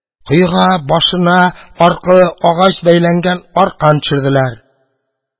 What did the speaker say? Коега башына аркылы агач бәйләнгән аркан төшерделәр.